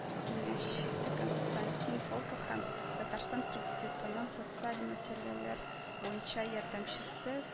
Киңәшчесе константин волков һәм татарстан президентының социаль мәсьәләләр буенча ярдәмчесе